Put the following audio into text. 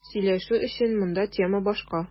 Сөйләшү өчен монда тема башка.